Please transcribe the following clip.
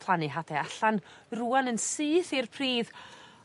plannu hade allan rŵan yn syth i'r pridd